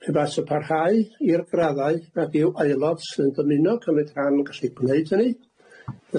Pe taent yn parhau i'r graddau nad yw aelod sy'n dymuno cymryd rhan yn gallu gwneud hynny,